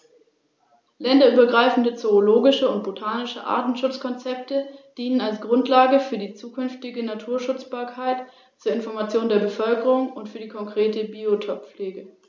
Der Schwanz der adulten Tiere ist braun und mehr oder weniger deutlich mit einigen helleren Bändern durchsetzt.